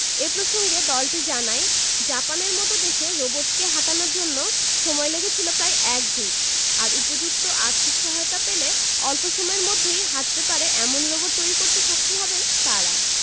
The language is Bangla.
এ প্রসঙ্গে দলটি জানায় জাপানের মতো দেশে রোবটকে হাঁটানোর জন্য সময় লেগেছিল প্রায় এক যুগ আর উপযুক্ত আর্থিক সহায়তা পেলে অল্প সময়ের মধ্যেই হাঁটতে পারে এমন রোবট তৈরি করতে সক্ষম হবেন তারা